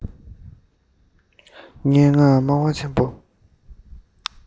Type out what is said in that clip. སྙན ངག སྨྲ བ ཆེན པོ